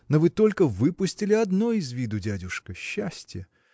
Но вы только выпустили одно из виду, дядюшка: счастье.